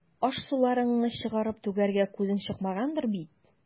Аш-суларыңны чыгарып түгәргә күзең чыкмагандыр бит.